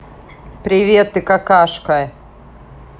привет ты какашка